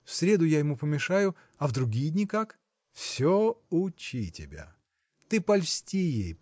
в среду я ему помешаю, а в другие дни как? – Все учи тебя! Ты польсти ей